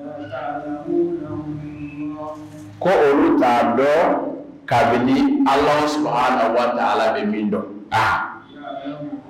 Ko olu k'a dɔn kabini ala wa ala de min dɔn